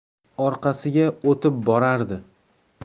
orqasiga o'tib borardi